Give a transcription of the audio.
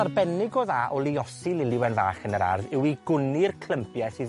arbennig o dda o luosi Lili Wen Fach yn yr ardd yw i gwnni'r clympie sydd